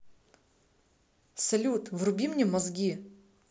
салют вруби мне мозги